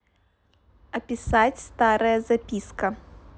описать старая записка